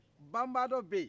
banbaadɔ bɛ yen